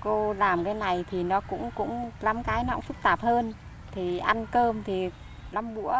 cô làm cái này thì nó cũng cũng lắm cái nó phức tạp hơn thì ăn cơm thì lắm bữa